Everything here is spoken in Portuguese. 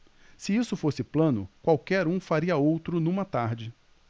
se isso fosse plano qualquer um faria outro numa tarde